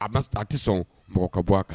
A bɛ a tɛ sɔn mɔgɔ ka bɔ a kan